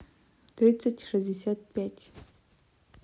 триста шестьдесят пять